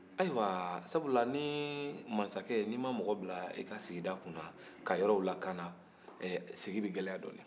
ayiwa sabula masakɛ n'i ma mɔgɔ bila i ka sigida kunna ka yɔrɔw lakana sigi bɛ gɛlɛya dɔɔni